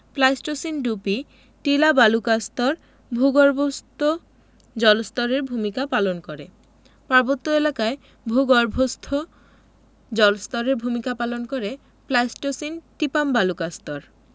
Pleistocene Dupi Tila বালুকাস্তর ভূগর্ভস্থ জলস্তরের ভূমিকা পালন করে পার্বত্য এলাকায় ভূগর্ভস্থ জলস্তরের ভূমিকা পালন করে প্লাইসটোসিন টিপাম বালুকাস্তর